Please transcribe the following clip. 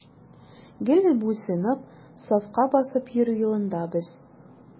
Гел буйсынып, сафка басып йөрү юлында без.